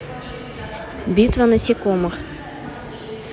битва насекомых